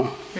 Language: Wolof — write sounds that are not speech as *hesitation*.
*hesitation* *hesitation*